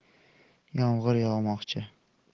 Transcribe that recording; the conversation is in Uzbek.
yomg'ir yog'moqchi